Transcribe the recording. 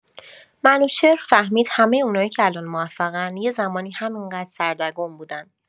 منوچهر فهمید همه اونایی که الان موفقن، یه زمانی همین‌قدر سردرگم بودن.